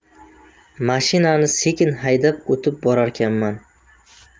mashinani sekin haydab o'tib borarkanman